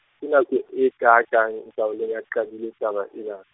Ke nako e kaakang, Ntaoleng a qadile taba ena?